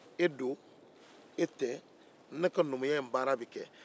e don e tɛ ne ka numuya baara in bɛ kɛ